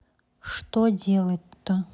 что делать то